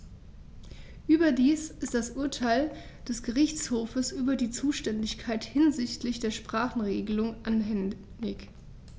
Überdies ist das Urteil des Gerichtshofes über die Zuständigkeit hinsichtlich der Sprachenregelung anhängig.